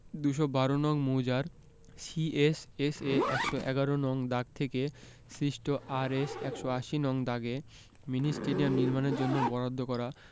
২১২ নং মৌজার C S S A ১১১ নং দাগ থেকে সৃষ্ট আরএস ১৮০ নং দাগে মিনি স্টেডিয়াম নির্মাণের জন্য বরাদ্দ করা